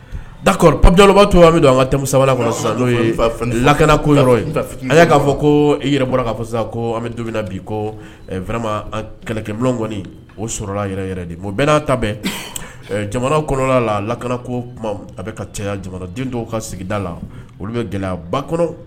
Da pajaba to an ka tɛmɛ sabali kɔnɔo lakanako a y'a'a fɔ ko i yɛrɛ bɔra bi ma kɛlɛɔni o sɔrɔla de bɛɛ n'a ta jamana kɔnɔ la lakanako a cɛ jamana den dɔw ka sigida la olu bɛ gɛlɛyaba kɔnɔ